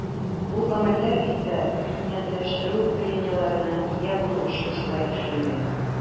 Бу гамәлләр исә иминиятләштерү премияләренә ия булу өчен шулай эшләнгән.